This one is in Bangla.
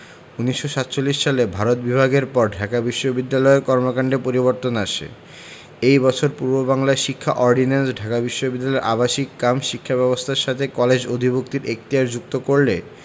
১৯৪৭ সালে ভারত বিভাগের পর ঢাকা বিশ্ববিদ্যালয়ের কর্মকান্ডে পরিবর্তন আসে ওই বছর পূর্ববাংলার শিক্ষা অর্ডিন্যান্স ঢাকা বিশ্ববিদ্যালয়ের আবাসিক কাম শিক্ষা ব্যবস্থার সঙ্গে কলেজ অধিভুক্তির এখতিয়ার যুক্ত করলে